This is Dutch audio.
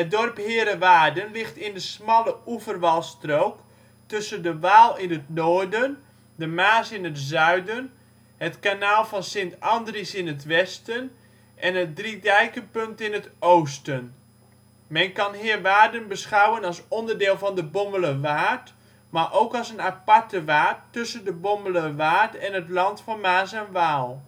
dorp Heerewaarden ligt in de smalle oeverwalstrook tussen de Waal in het noorden, de Maas in het zuiden, het Kanaal van St. Andries in het westen en het Drie Dijkenpunt in het oosten. Men kan Heerewaarden beschouwen als onderdeel van de Bommelerwaard, maar ook als een aparte waard tussen de Bommelerwaard en het Land van Maas en Waal